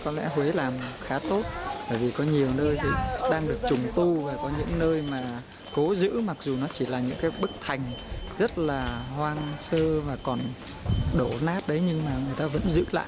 có lẽ huế làm khá tốt bởi vì có nhiều nơi đang được trùng tu và có những nơi mà cố giữ mặc dù nó chỉ là những cái bức thành rất là hoang sơ và còn đổ nát đấy nhưng mà người ta vẫn giữ lại